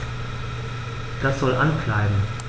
Das soll an bleiben.